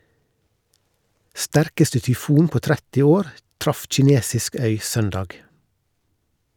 Sterkeste tyfon på 30 år traff kinesisk øy søndag.